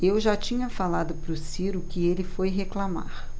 eu já tinha falado pro ciro que ele foi reclamar